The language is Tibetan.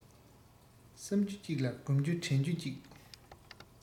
བསམ རྒྱུ གཅིག ལ བསྒོམ རྒྱུ དྲན རྒྱུ གཅིག